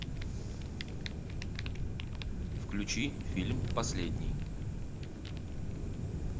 включи фильм последний